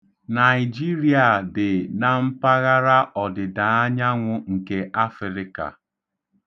Naịjiria dị na mpaghara ọdịdaanyanwụ nke Afịrịka.